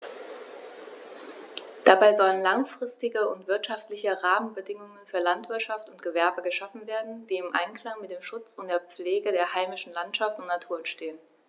Dabei sollen langfristige und wirtschaftliche Rahmenbedingungen für Landwirtschaft und Gewerbe geschaffen werden, die im Einklang mit dem Schutz und der Pflege der heimischen Landschaft und Natur stehen.